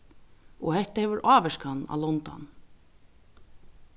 og hetta hevur ávirkan á lundan